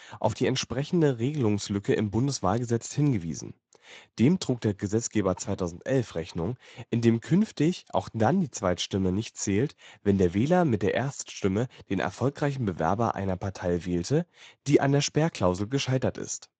auf die entsprechende Regelungslücke im Bundeswahlgesetz hingewiesen. Dem trug der Gesetzgeber 2011 Rechnung, indem künftig auch dann die Zweitstimme nicht zählt, wenn der Wähler mit der Erststimme den erfolgreichen Bewerber einer Partei wählte, die an der Sperrklausel gescheitert ist